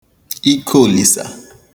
Ike òlìsà